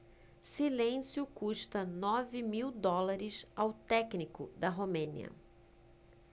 silêncio custa nove mil dólares ao técnico da romênia